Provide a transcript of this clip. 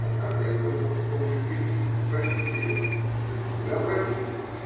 однажды я поднял с полу шпильку и спросил ее: -- Это не вы обронили?